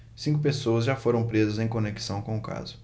cinco pessoas já foram presas em conexão com o caso